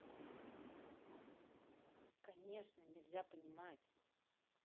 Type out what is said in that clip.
конечно нельзя понимать